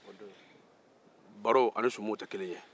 baro ni sumu tɛ kelen ye